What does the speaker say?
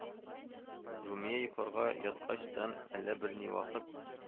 Румия йокларга яткачтан әллә ни бер вахыт